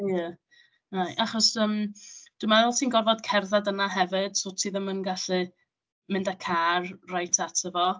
Ie, rei- achos yym dwi'n meddwl ti'n gorfod cerdded yna hefyd, so ti ddim yn gallu mynd â car reit ata fo.